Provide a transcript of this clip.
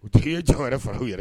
U tigi ye ca wɛrɛ faraw yɛrɛ